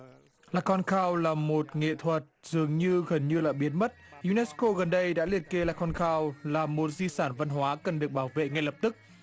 la con cao là một nghệ thuật dường như gần như biến mất du nét cô gần đây đã liệt kê la con khao là một di sản văn hóa cần được bảo vệ ngay lập tức